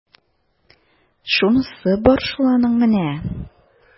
Шунысы бар шул аның менә! ..